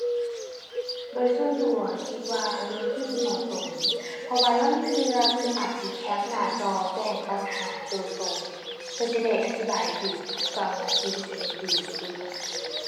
โดยส่วนตัวคิดว่าเป็นวิธีที่เหมาะสม เพราะว่าลางเทื่อเพิ่นอาจสิแคปหน้าจอแจ้งปัญหาโดยตรง เพื่อสิได้อธิบายถูก ทะ เจ้าหน้าที่เพิ่นสิได้รู้จุดปัญหาโดยตรง